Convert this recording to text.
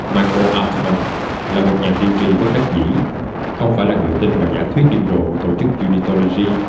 michael altman là một nhà tiên tri bất đắc dĩ không phải là người tin vào giả thuyết điên rồ của tổ chức unitology